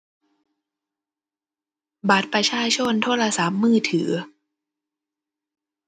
บัตรประชาชน โทรศัพท์มือถือ